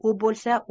u bo'lsa